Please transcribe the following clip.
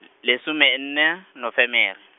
l- lesomenne, Nofemere.